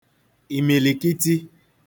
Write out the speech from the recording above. ìmìlìkiti